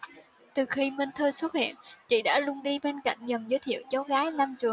từ khi minh thư xuất hiện chị đã luôn đi bên cạnh dòng giới thiệu cháu gái lam trường